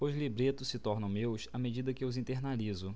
os libretos se tornam meus à medida que os internalizo